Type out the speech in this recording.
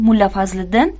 mulla fazliddin